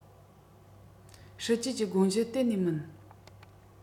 སྲིད ཇུས ཀྱི དགོངས གཞི གཏན ནས མིན